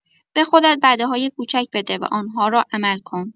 به خودت وعده‌های کوچک بده و آن‌ها را عمل کن.